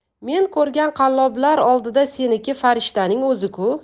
men ko'rgan qalloblar oldida seniki farishtaning o'zi ku